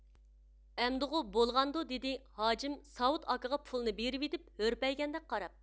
ئەمدىغۇ بولغاندۇ دېدى ھاجىم ساۋۇت ئاكىغا پۇلنى بېرىۋېتىپ ھۈرپەيگەندەك قاراپ